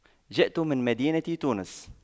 جئت من مدينة تونس